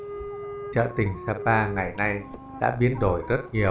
chợ tình sapa ngày nay đã biến đổi rất nhiều